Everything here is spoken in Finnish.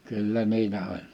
kyllä niillä oli